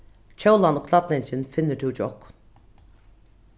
kjólan og klædningin finnur tú hjá okkum